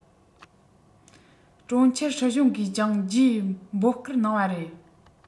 གྲོང ཁྱེར སྲིད གཞུང གིས ཀྱང རྒྱུའི འབོད སྐུལ གནང བ རེད